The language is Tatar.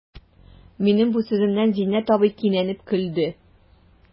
Минем бу сүземнән Зиннәт абзый кинәнеп көлде.